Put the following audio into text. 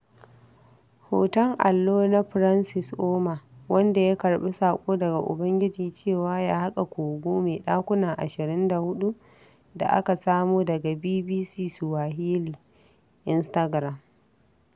Hoton allo na Francis Ouma wanda ya karɓi saƙo daga Ubangiji cewa ya haƙa kogo mai ɗakuna 24 da aka samo daga BBC Swahili / Instagram.